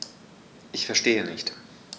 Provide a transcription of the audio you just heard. Ich verstehe nicht.